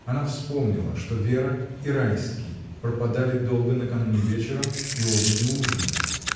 Она вспомнила, что Вера и Райский пропадали долго накануне вечером и оба не ужинали.